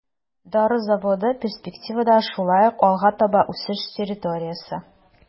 Дары заводы перспективада шулай ук алга таба үсеш территориясе.